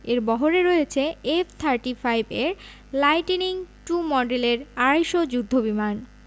এর বহরে রয়েছে এফ থার্টি ফাইভ এর লাইটিনিং টু মডেলের আড়াই শ যুদ্ধবিমান